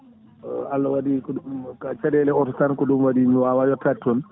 Allah waɗi ko ɗum ka caɗele auto tan ko ɗum waɗi mi wawa yettade toon